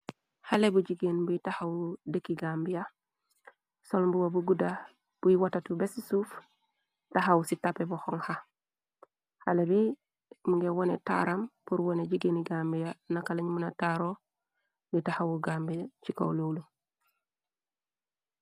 xale bu jigéen buy taxawu dekki gambi yax solmbuwa bu guddax buy watatu besci suuf taxaw ci tape bu xonxa xale bi nga wone taaram pur wone jigéeni gambi yax naka lañ muna taaro di taxawu gambi yax ci kow lulu.